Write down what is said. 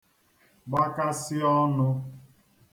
gbakasị ọnụ̄